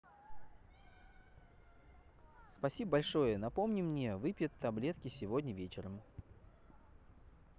спасибо большое напомни мне выпьет таблетки сегодня вечером